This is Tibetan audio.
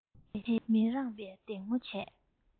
ཞེས མི རངས པའི སྡིགས མོ བྱས